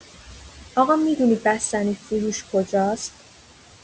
آقا می‌دونی بستنی‌فروش کجاست؟